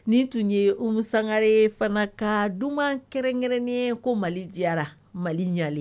Nin tun ye Umu Sangare fana ka duman kɛrɛnkɛrɛnni ye: ko Mali diyara Mali Ɲal